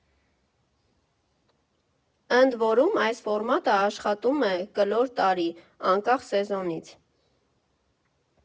Ընդ որում, այս ֆորմատն աշխատում է կլոր տարի, անկախ սեզոնից.